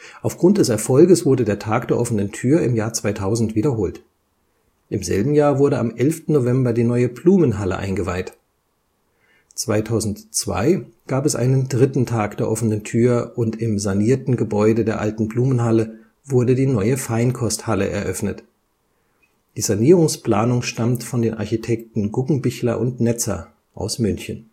Aufgrund des Erfolges wurde der Tag der offenen Tür 2000 wiederholt. Im selben Jahr wurde am 11. November die neue Blumenhalle eingeweiht. 2002 gab es einen dritten Tag der offenen Tür und im sanierten Gebäude der alten Blumenhalle wurde die neue Feinkosthalle eröffnet. Die Sanierungsplanung stammt von den Architekten Guggenbichler + Netzer, München